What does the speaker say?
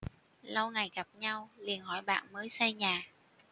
lâu ngày gặp nhau liền hỏi bạn mới xây nhà